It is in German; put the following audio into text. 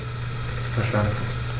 Verstanden.